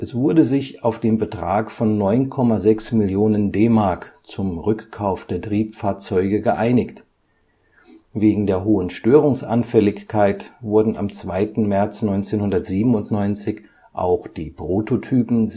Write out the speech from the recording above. wurde sich auf den Betrag von 9,6 Millionen D-Mark zum Rückkauf der Triebfahrzeuge geeinigt. Wegen der hohen Störungsanfälligkeit wurden am 2. März 1997 auch die Prototypen